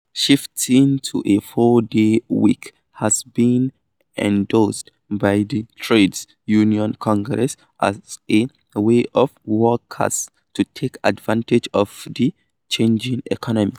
Shifting to a four-day week has been endorsed by the Trades Union Congress as a way for workers to take advantage of the changing economy.